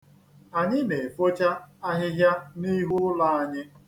Anyị na-efocha ahịhịa n'ihu ụlọ anyị.